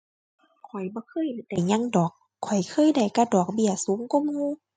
ข้อยบ่เคยได้หยังดอก ข้อยเคยได้ก็ดอกเบี้ยสูงกว่าหมู่